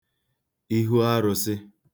ihu arụ̄sị̄